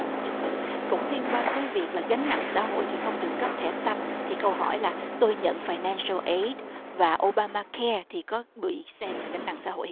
dạ vâng cũng liên quan tới việc là gánh nặng xã hội thì không được cấp thẻ xanh thì câu hỏi là tôi nhận phài nan sồ ết và ô ba ma ke thì có bị xem là gánh nặng xã hội